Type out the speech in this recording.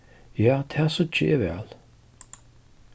ja tað síggi eg væl